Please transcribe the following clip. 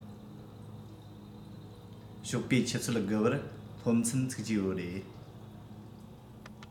ཞོགས པའི ཆུ ཚོད དགུ པར སློབ ཚན ཚུགས ཀྱི ཡོད རེད